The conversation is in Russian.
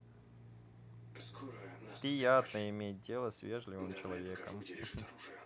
приятно иметь дело с вежливым человеком